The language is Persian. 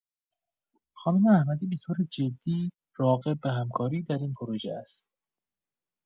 خانم احمدی به‌طور جدی راغب به همکاری در این پروژه است.